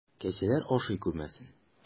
Кәҗәләр ашый күрмәсен!